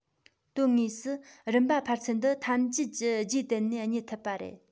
དོན དངོས སུ རིམ པ འཕར ཚུལ འདི ཐམས ཅད ཀྱི རྗེས དེད ན རྙེད ཐུབ པ རེད